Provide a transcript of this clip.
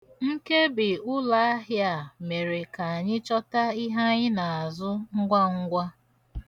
Nkebi ụlaahịa a mere ka anyị chọta ihe anyị na-azụ ngwa ngwa.